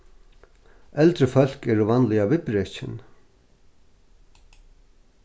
eldri fólk eru vanliga viðbrekin